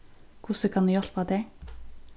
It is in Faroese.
hvussu kann eg hjálpa tær